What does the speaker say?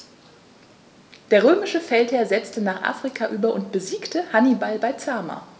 Der römische Feldherr setzte nach Afrika über und besiegte Hannibal bei Zama.